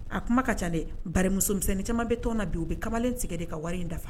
A kuma ka calen baramusomisɛn caman bɛ tɔn na bi u bɛ kamalen tigɛ de ka wari in dafa